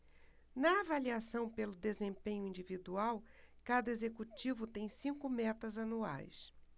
na avaliação pelo desempenho individual cada executivo tem cinco metas anuais